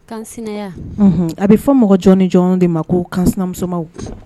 Kanya a bɛ fɔ mɔgɔ jɔn ni jɔn de ma ko kanmusoma